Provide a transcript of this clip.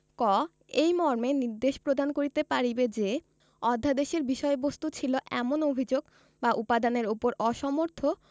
ক এই মর্মে নির্দেশ প্রদান করিতে পারিবে যে অধ্যাদেশের বিষয়বস্তু ছিল এমন অভিযোগ বা উপাদানের উপর অসমর্থ